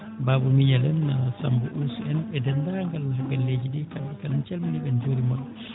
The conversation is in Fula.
noon ne kaye Baboy Miniel en Samba Ousou en e deenndaangal e galleeji ɗii kamɓe kala en calminii ɓe en njuuriima ɓe